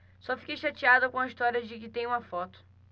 só fiquei chateada com a história de que tem uma foto